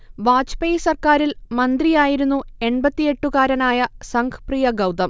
വാജ്പേയ് സർക്കാരിൽ മന്ത്രിയായിരുന്നു എൺപത്തിയെട്ട്കാരനായ സംഗ് പ്രിയ ഗൗതം